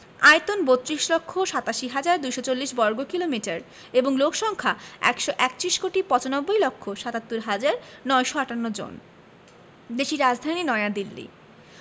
আয়তন ৩২ লক্ষ ৮৭ হাজার ২৪০ বর্গ কিমি এবং লোক সংখ্যা ১৩১ কোটি ৯৫ লক্ষ ৭৭ হাজার ৯৫৮ জন দেশটির রাজধানী নয়াদিল্লী